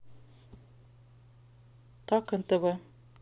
так нтв